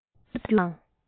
ཉམས འགྱུར དང